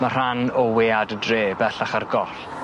Ma' rhan o wead y dre bellach ar goll.